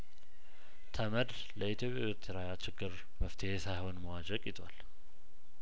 ተመድ ለኢትዮ ኤርትራ ችግር መፍትሄ ሳይሆን መዋዠቅ ይዟል